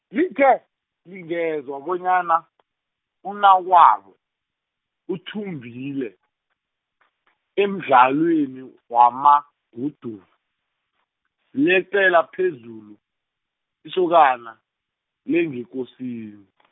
lithe, lingezwa bonyana , umnakwabo, uthumbile, emdlalweni wamaguduva, leqela phezulu, isokana, langeKosini .